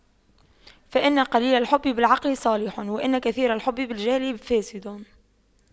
فإن قليل الحب بالعقل صالح وإن كثير الحب بالجهل فاسد